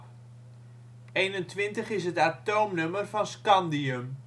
atoomnummer van scandium